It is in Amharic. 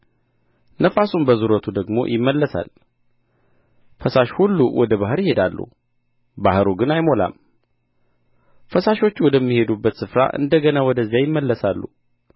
ነፋስም በዙረቱ ደግሞ ይመለሳል ፈሳሾች ሁሉ ወደ ባሕር ይሄዳሉ ባሕሩ ግን አይሞላም ፈሳሾች ወደሚሄዱበት ስፍራ እንደ ገና ወደዚያ ይመለሳሉ